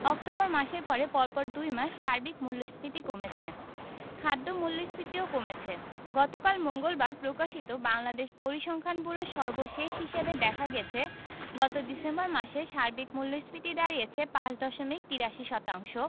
October মাসের পরে পরপর দুই মাস সার্বিক মূল্যস্ফীতি কমেছে খাদ্য মূল্যস্ফীতিও কমেছে গতকাল মঙ্গলবার প্রকাশিত বাংলাদেশ পরিসংখ্যান ব্যুরোর সর্বশেষ হিসাবে দেখা গেছে গত ডিসেম্বর মাসে সার্বিক মূল্যস্ফীতি দাঁড়িয়েছে ৫ দশমিক ৮৩ শতাংশ